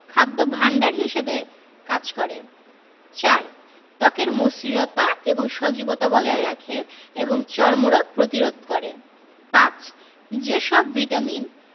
খাদ্য ভাণ্ডার হিসেবে কাজ করে ৪. ত্বকের মসৃণতা এবং সজীবতা বজায় রাখে এবং চর্মরোগ প্রতিরোধ করে ৫. যে সব ভিটামিন